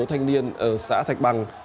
thanh niên ở xã thạch bằng